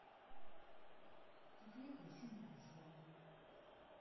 так лето еще не прошло